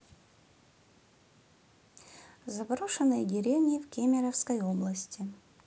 заброшенные деревни в кемеровской области